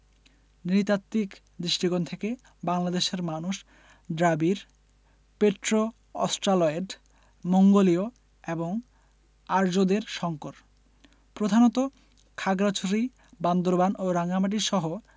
নৃতাত্ত্বিক দৃষ্টিকোণ থেকে বাংলাদেশের মানুষ দ্রাবিড় প্রোটো অস্ট্রালয়েড মঙ্গোলীয় এবং আর্যদের সংকর প্রধানত খাগড়াছড়ি বান্দরবান ও রাঙ্গামাটিসহ